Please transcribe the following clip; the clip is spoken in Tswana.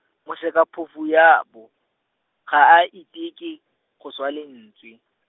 Mosekaphofu yabo, ga a iteke, go swa lentswe.